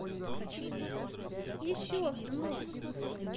еще сынок